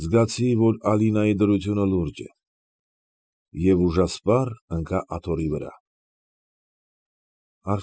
Զգացի, որ Ալինայի դրությունը լուրջ է։ Եվ ուժասպառ ընկա աթոռի վրա։